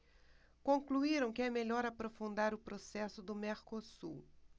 concluíram que é melhor aprofundar o processo do mercosul